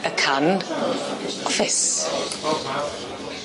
Y can office.